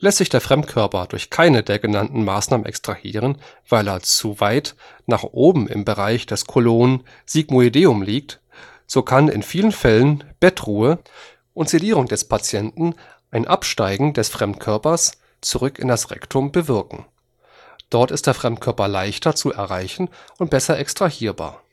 Lässt sich der Fremdkörper durch keine der genannten Maßnahmen extrahieren, weil er zu weit nach oben im Bereich des Colon sigmoideum liegt, so kann in vielen Fällen Bettruhe und Sedierung des Patienten ein Absteigen des Fremdkörpers, zurück in das Rektum, bewirken. Dort ist der Fremdkörper leichter zu erreichen und besser extrahierbar